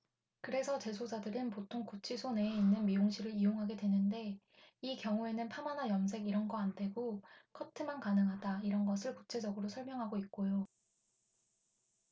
그래서 재소자들은 보통 구치소 내에 있는 미용실을 이용을 하게 되는데 이 경우에는 파마나 염색 이런 거 안 되고 커트만 가능하다 이런 것을 구체적으로 설명하고 있고요